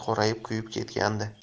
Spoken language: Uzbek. qorayib kuyib ketgandi